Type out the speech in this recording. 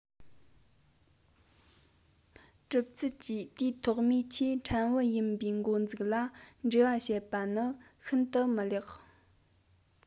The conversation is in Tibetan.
གྲུབ ཚུལ གྱི དུས ཐོག མའི ཆེས ཕྲན བུ ཡིན པའི འགོ འཛུགས ལ འགྲེལ བ བྱས པ ནི ཤིན ཏུ མི ལེགས